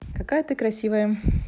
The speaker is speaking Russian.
какая ты красивая